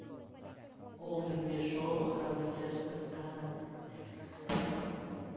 oldingi sho'x hazilkash qiz qani